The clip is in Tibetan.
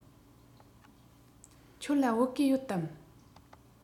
ཁྱོད ལ བོད གོས ཡོད དམ